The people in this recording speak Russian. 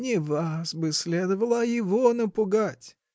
— Не вас бы следовало, а его напугать!